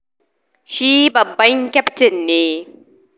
Shi babban kyaftin ne.